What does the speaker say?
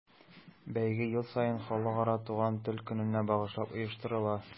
Бәйге ел саен Халыкара туган тел көненә багышлап оештырыла.